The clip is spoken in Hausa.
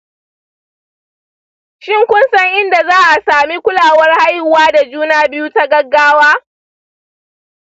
shin kun san inda za a sami kulawar haihuwa da juna biyu ta gaggawa ?